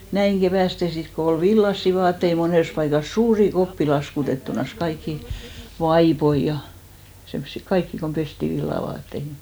näin keväästi sitten kun oli villaisia vaatteita monessa paikassa suuria koppia laskutettuna kaikkia vaippoja ja semmoisia kaikkia kun pestiin villavaateita